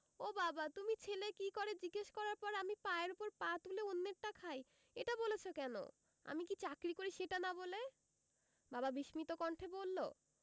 ও বাবা তুমি ছেলে কী করে জিজ্ঞেস করার পর আমি পায়ের ওপর পা তুলে অন্যেরটা খাই এটা বলেছ কেন আমি কী চাকরি করি সেটা না বলে বাবা বিস্মিত কণ্ঠে বলল